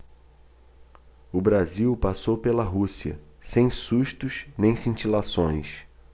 o brasil passou pela rússia sem sustos nem cintilações